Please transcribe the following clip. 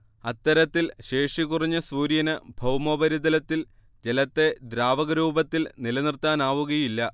അത്തരത്തിൽ ശേഷി കുറഞ്ഞ സൂര്യന് ഭൗമോപരിതലത്തിൽ ജലത്തെ ദ്രാവക രൂപത്തിൽ നിലനിർത്താനാവുകയില്ല